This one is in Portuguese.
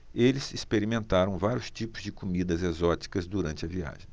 eles experimentaram vários tipos de comidas exóticas durante a viagem